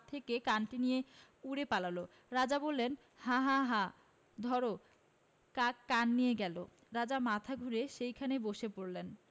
থেকে কানটি নিয়ে উড়ে পালাল রাজা বললেন হাঁ হাঁ হাঁ ধরো কাক কান নিয়ে গেল রাজা মাথা ঘুরে সেইখানে বসে পড়লেন